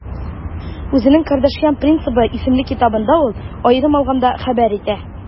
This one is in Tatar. Үзенең «Кардашьян принципы» исемле китабында ул, аерым алганда, хәбәр итә: